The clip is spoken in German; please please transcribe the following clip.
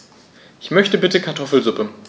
Ich möchte bitte Kartoffelsuppe.